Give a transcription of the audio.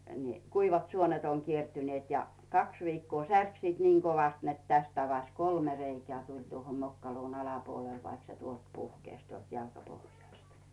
niin kuivat suonet on kiertyneet ja kaksi viikkoa särki sitten niin kovasti että tästä avasi kolme reikää tuli tuohon mokkaluun alapuolelle vaikka se tuolta puhkesi tuolta jalkapohjasta